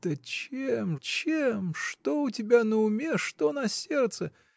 — Да чем, чем: что у тебя на уме, что на сердце?